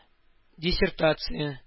Диссертация